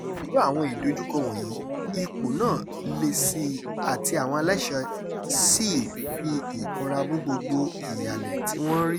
Pẹ̀lú àwọn ìdojúkọ wọ̀nyí, “ipò náà” le sí i, àti àwọn aláṣẹ sì ń fi ìkanra mú gbogbo ìhàlẹ̀ tí wọ́n ń rí.